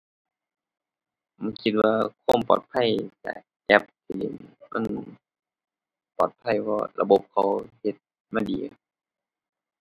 ผมคิดว่าความปลอดภัยจากแอป มันปลอดภัย เพราะระบบเขาเฮ็ดมาดี